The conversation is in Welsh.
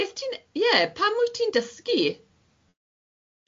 Beth ti'n ie pam wyt ti'n dysgu?